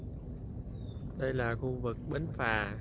đây là khu vực bến phà